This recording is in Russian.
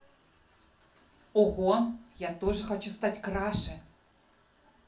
ого я хочу тоже стать краше